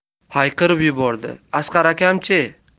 hayqirib yubordi asqar akam chi